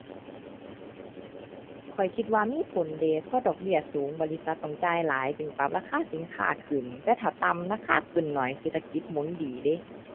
ข้อยคิดว่ามีผลเดะ เพราะดอกเบี้ยสูง บริษัทต้องจ่ายหลายจึงปรับราคาสินค้าขึ้น แต่ถ้าต่ำ ราคาขึ้นน้อย เศรษฐกิจหมุนดีเดะ